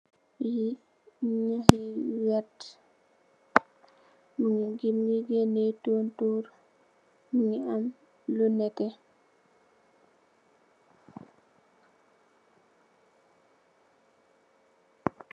Lee naax yu verte muge gene tonturr muge am lu neteh.